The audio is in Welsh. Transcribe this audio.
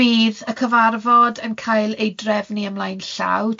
Bydd y cyfarfod yn cael ei drefnu ymlaen llaw.